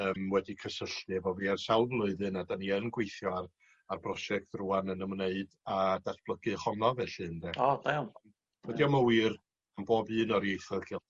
yym wedi cysylltu efo fi ar sawl flwyddyn a 'dan ni yn gweithio ar ar brosiect rŵan yn ymwneud â datblygu honno felly ynde. O da iawn. Dydi o'm y' wir am bob un o'r ieithoedd Celt-.